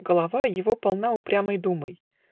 Голова Его полна упрямой думой.